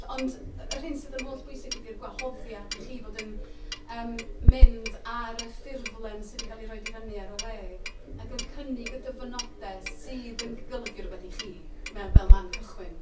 Ond yr hyn sydd yn hollbwysig ydy'r gwahoddiad i chi fod yn yym mynd ar y ffurflen sy 'di cael ei roid i fyny ar y we ac yn cynnig y dyfynodau sydd yn golygu rywbeth i chi, me- fel man cychwyn.